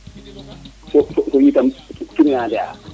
fo fi tam truand nde a